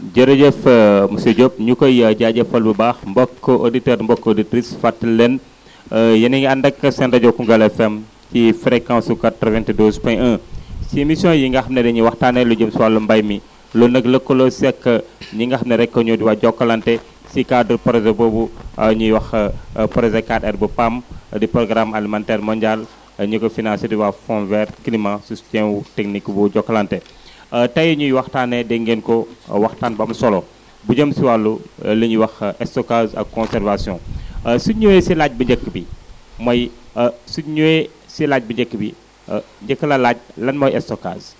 jërëjëf monsieur Diop ñu koy jaajëfal bu baax mbokku auditeurs mbokku auditrices fàttali leen yéen a ngi ànd ak seen rajo Koungheul FM ci fréquence su 92 point 1 si émission yi nga xam ne dañuy waxtaanee lu jëm si wàllum mbay mi loolu nag lëkkaloo seeg ñi nga xam ne rek ñooy waa Jokalante si cadre projet boobu ñuy wax projet 4R bu PAM di programme alimentaire mondial ñi ko financé di waa Fond vert climat si soution wu technique bu Jokalante tey ñuy waxtaanee dégg ngeen ko waxtaan bu am solo mu jëm si wàllu li ñuy wax stockage ak conservation su ñu ñëwee si laaj bu njëkk bi mooy su ñu ñëwee si laaj bu njëkk bi njëkk la laaj lan mooy stockage